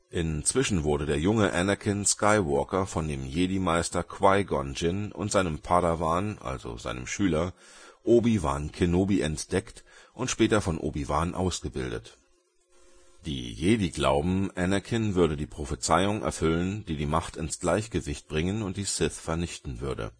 Inzwischen wurde der junge Anakin Skywalker von dem Jedi-Meister Qui-Gon Jinn und seinem Padawan (Schüler) Obi-Wan Kenobi entdeckt und später von Obi-Wan ausgebildet. Die Jedi glauben, Anakin würde die Prophezeiung erfüllen, die die Macht „ ins Gleichgewicht “und die Sith vernichten würde